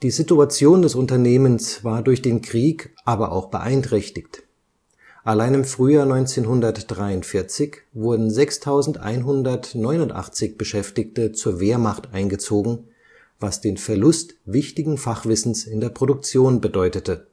Situation des Unternehmens war durch den Krieg aber auch beeinträchtigt. Allein im Frühjahr 1943 wurden 6.189 Beschäftigte zur Wehrmacht eingezogen, was den Verlust wichtigen Fachwissens in der Produktion bedeutete